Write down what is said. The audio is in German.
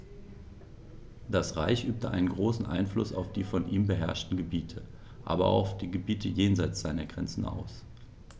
Das Reich übte einen großen Einfluss auf die von ihm beherrschten Gebiete, aber auch auf die Gebiete jenseits seiner Grenzen aus.